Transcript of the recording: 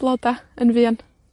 floda yn fuan.